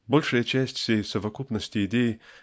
большая часть всей совокупности идей